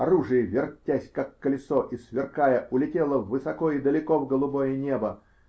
оружие, вертясь, как колесо, и сверкая, улетело высоко и далеко в голубое небо.